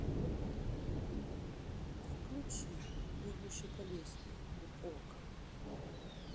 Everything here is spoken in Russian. включи бегущий по лезвию в окко